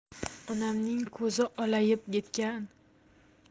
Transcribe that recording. onamning ko'zi olayib ketgan